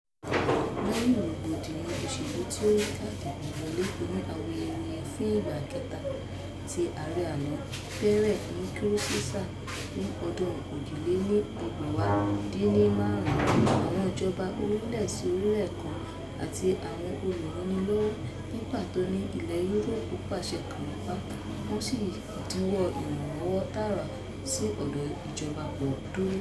Lẹ́yìn rògbòdìyàn òṣèlú tí ó yíká ìdìbò wọlé òní awuyewuye fún ìgbà kẹta tí Ààrẹ àná Pierre Nkurunziza ní ọdún 2015, àwọn ìjọba orílẹ̀-sí-orílẹ̀ kan àti àwọn olúranilọ́wọ̀, ní pàtó ní Ilẹ̀ Yúróòpù, pàṣẹ kànńpá wọ́n sì dáwọ́ ìrànwọ́ tààrà sí ọ̀dọ̀ ìjọba dúró.